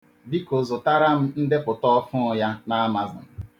Biko zụtara m ndepụta ọfụụ ya n'Amazọn.